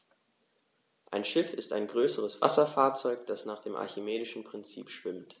Ein Schiff ist ein größeres Wasserfahrzeug, das nach dem archimedischen Prinzip schwimmt.